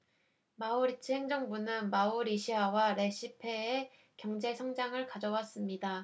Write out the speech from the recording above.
마우리츠 행정부는 마우리시아와 레시페에 경제 성장을 가져왔습니다